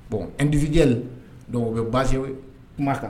Bon ndijɛ dɔw bɛ baasi kuma kan